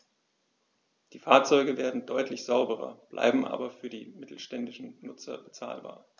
Die Fahrzeuge werden deutlich sauberer, bleiben aber für die mittelständischen Nutzer bezahlbar.